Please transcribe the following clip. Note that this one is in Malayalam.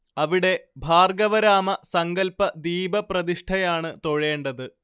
അവിടെ ഭാർഗ്ഗവരാമ സങ്കല്പ ദീപപ്രതിഷ്ഠയാണ് തൊഴേണ്ടത്